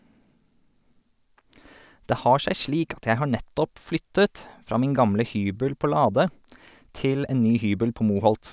Det har seg slik at jeg har nettopp flyttet, fra min gamle hybel på Lade til en ny hybel på Moholt.